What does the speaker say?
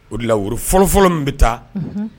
O de woro fɔlɔfɔlɔ min bɛ taa